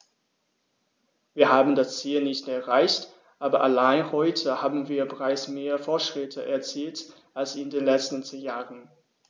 Wir haben das Ziel nicht erreicht, aber allein heute haben wir bereits mehr Fortschritte erzielt als in den letzten zehn Jahren.